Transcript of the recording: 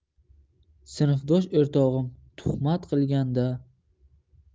sinfdosh o'rtog'im tuhmat qilganda